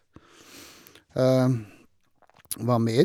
Hva mer?